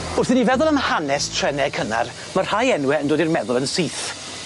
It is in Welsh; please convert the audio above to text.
Wrth i ni feddwl am hanes trene cynnar ma' rhai enwe yn dod i'r meddwl yn syth.